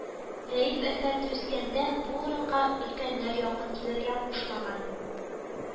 Рәиф әфәнде үскәндә, бу урынга өлкәннәр якын килергә кушмаган